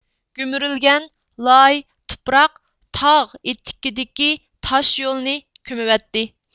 گۈمۈرۈلگەن لاي تۇپراق تاغ ئېتىكىدىكى تاشيولنى كۆمۈۋەتتى